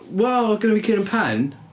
Wel, oedd gynno fi cur yn pen.